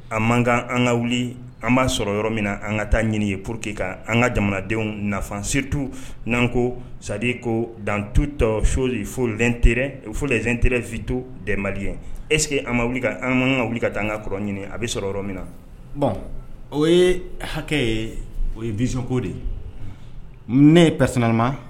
An man an ka wuli an b'a sɔrɔ yɔrɔ min na an ka taa ɲini ye pur que kan an ka jamanadenw nafa setu n'an ko sadi ko dantu tɔ so fo te fo zte fito dɛma ye esseke an ma wuli an ka wuli ka taa an ka kɔrɔ ɲini a bɛ sɔrɔ yɔrɔ min na bɔn o ye hakɛ ye o ye vzoko de ne ye psma